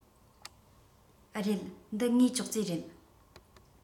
རེད འདི ངའི ཅོག ཙེ རེད